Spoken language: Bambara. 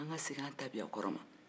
an ka segin an tabiya kɔrɔw ma